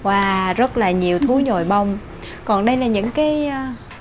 oa rất là nhiều thú nhồi bông còn đây là những cái ý